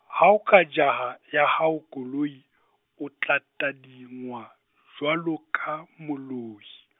ha o ka jaha, ya hao koloi, o tla tadingwa, jwalo ka, moloi.